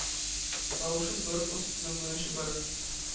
Тавышын борын астыннан гына чыгарып: